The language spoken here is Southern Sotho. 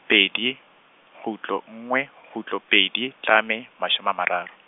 pedi, kgutlo nngwe, kgutlo pedi tlame, mashome a mararo.